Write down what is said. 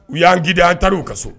U yan gide an taara u ka so.